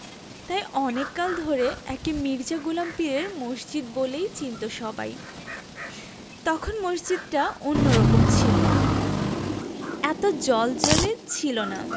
তাই অনেক কাল ধরে একে মির্জা গোলাম পীরের মসজিদ বলেই চিনতো সবাই তখন মসজিদটা অন্যরকম ছিল এত জ্বলজ্বলে ছিল না